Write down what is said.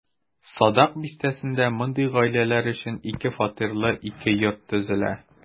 Садак бистәсендә мондый гаиләләр өчен ике фатирлы ике йорт төзелә.